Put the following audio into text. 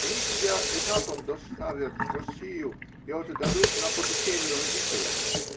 они тебя этапом доставят в Россию и отдадут на попечение родителям.